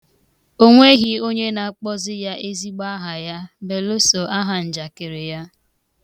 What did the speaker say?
Onweghị onye na-akpọzị ya ezigbo aha ya belụsọ ahanjakịrị ya.